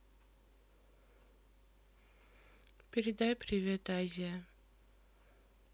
передай привет азия